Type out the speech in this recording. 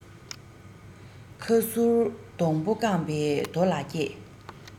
ཁ སུར སྡོང པོ སྐམ པོའི རྡོ ལ སྐྱེས